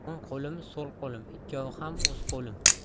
o'ng qo'lim so'l qo'lim ikkovi ham o'z qo'lim